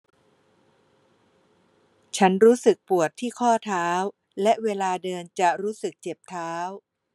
ฉันรู้สึกปวดที่ข้อเท้าและเวลาเดินจะรู้สึกเจ็บเท้า